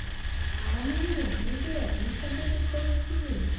ко мне привет мы с тобой тут поедим